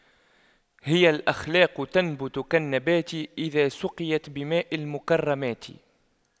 هي الأخلاق تنبت كالنبات إذا سقيت بماء المكرمات